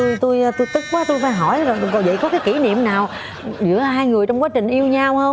mà tui thì tui tức quá tui phải hỏi là mình có kỷ niệm nào giữa hai người trong quá trình yêu nhau không